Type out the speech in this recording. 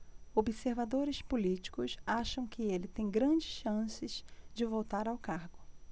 observadores políticos acham que ele tem grandes chances de voltar ao cargo